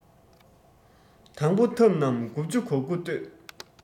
དང པོ ཐབས རྣམས དགུ བཅུ གོ དགུ གཏོད